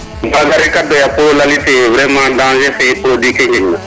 kaga reka doye pour o lalite vraiment danger fe produit fene jeg na